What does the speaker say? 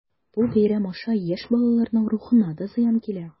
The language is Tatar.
Бу бәйрәм аша яшь балаларның рухына да зыян килә.